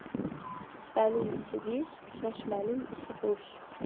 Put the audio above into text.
puxtaning ishi besh shoshmaning ishi bo'sh